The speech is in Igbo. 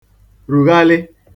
rughalị